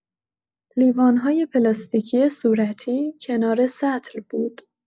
لیوان‌های پلاستیکی صورتی کنار سطل بود.